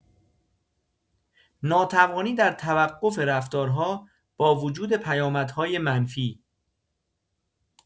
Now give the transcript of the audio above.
ناتوانی در توقف رفتارها با وجود پیامدهای منفی